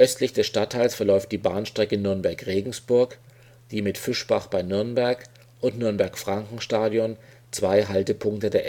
Östlich des Stadtteils verläuft die Bahnstrecke Nürnberg – Regensburg, die mit Fischbach (b Nürnberg) und Nürnberg-Frankenstadion zwei Haltepunkte der